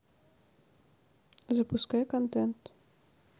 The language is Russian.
запускай контент